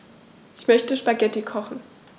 Ich möchte Spaghetti kochen.